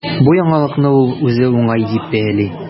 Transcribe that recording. Бу яңалыкны ул үзе уңай дип бәяли.